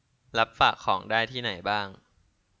รับฝากของได้ที่ไหนบ้าง